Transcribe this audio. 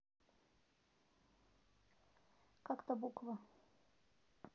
как то буква